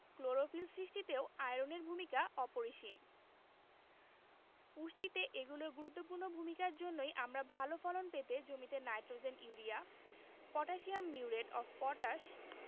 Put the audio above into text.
chlorophyll সৃষ্টিতেও আয়রনের ভূমিকা অপরিসীম পুষ্টিতে এগুলোর গুরুত্বপূর্ণ ভূমিকার জন্যই আমরা ভালো ফলন পেতে জমিতে nitrogen urea potassium muriate of potash